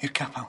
I'r capal?